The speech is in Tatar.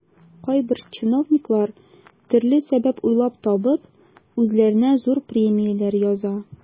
Кайбер чиновниклар, төрле сәбәп уйлап табып, үзләренә зур премияләр яза.